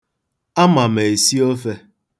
Ama m esi ofe.